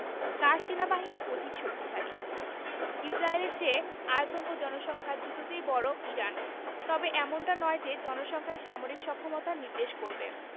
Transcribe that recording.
কার সেনাবাহিনী অধিক শক্তিশালী ইসরায়েলের চেয়ে আয়তন ও জনসংখ্যা দুটোতেই বড় ইরান তবে এমনটা নয় যে জনসংখ্যাই সামরিক সক্ষমতা নির্দেশ করবে